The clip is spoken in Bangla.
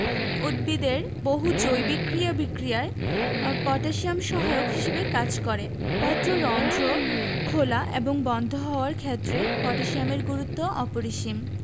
উদ্ভিদের বহু জৈবিক ক্রিয়া বিক্রিয়ায় পটাশিয়াম সহায়ক হিসেবে কাজ করে পত্ররন্ধ্র খেলা এবং বন্ধ হওয়ার ক্ষেত্রে পটাশিয়ামের গুরুত্ব অপরিসীম